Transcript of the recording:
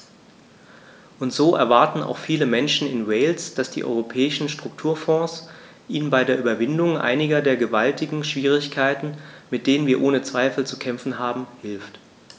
Und so erwarten auch viele Menschen in Wales, dass die Europäischen Strukturfonds ihnen bei der Überwindung einiger der gewaltigen Schwierigkeiten, mit denen wir ohne Zweifel zu kämpfen haben, hilft.